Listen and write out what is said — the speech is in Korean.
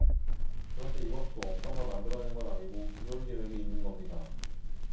그런데 이것도 없던걸 만들어낸건 아니고 기존 계획에 있는 겁니다